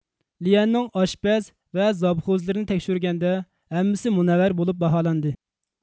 ليەننىڭ ئاشپەز ۋە زاپغوسلىرىنى تەكشۈرگەندە ھەممىسى مۇنەۋۋەر بولۇپ باھالاندى